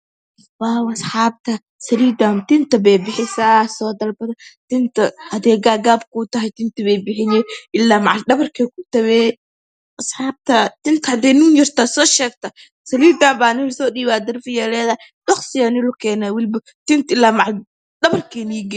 Waaw asaxabta saliidan tinta bay bixisaa soo dalbada tinta haday gagab ka tahay waa kubixineysa ilaal dhabarka bay ku tageysaa asaxabta tinta haday kugu yartahay soo sheegta saliida waa idin soo dhiibaya dhaqso baa la idin kugu keenaya tint ilaal dhabarka bay idin geeyneysa